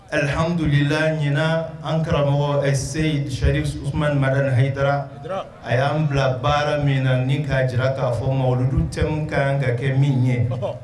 Alihamdulilalila ɲ an karamɔgɔ ɛ se saris mara ni hatara a y'an bila baara min na ni'a jira k'a fɔ ma olulu caman ka kan ka kɛ min ye